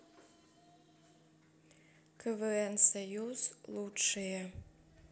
квн союз лучшее